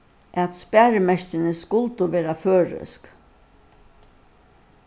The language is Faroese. at sparimerkini skuldu vera føroysk